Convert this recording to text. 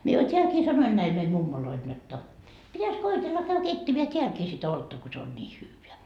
minä jo täälläkin sanoin näille meidän mummoille jotta pitäisi koetella käydä keittämään täälläkin sitä olutta kun se on niin hyvää